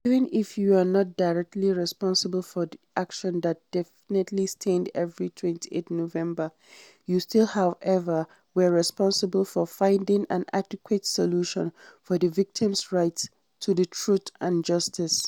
Even if you are not directly responsible for the action that definitely stained every November 28, you still however were responsible for finding an adequate solution for the victims’ rights to the truth and justice ...